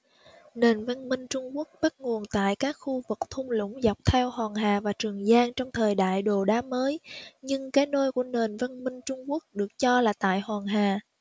nền văn minh trung quốc bắt nguồn tại các khu vực thung lũng dọc theo hoàng hà và trường giang trong thời đại đồ đá mới nhưng cái nôi của nền văn minh trung quốc được cho là tại hoàng hà